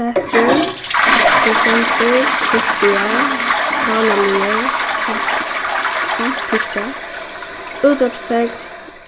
thatcher desembur týsdagar vánaligur samtykkja útrópstekn